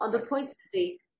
Ond y pwynt ydi